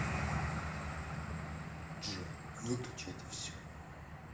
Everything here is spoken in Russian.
джой выключи это все